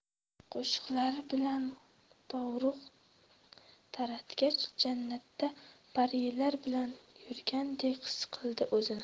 qo'shiqlari bilan dovruq taratgach jannatda parilar bilan yurgandek his qildi o'zini